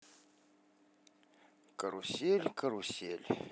карусель карусель